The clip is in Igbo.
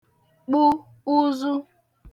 kpụ ụ̀zụ̀